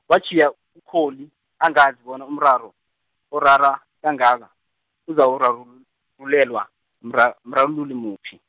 watjhiya Ukholi angazi bona umraro, orara kangaka, uzawurarululelwa mra- mrarululi muphi.